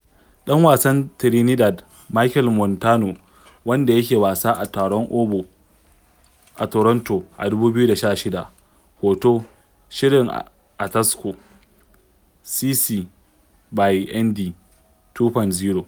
ɗan wasan Trinidad Machel Montano wanda yake wasa a taron OɓO a Toronto a 2016. HOTO: Shirin a taso (CC BY-ND 2.0)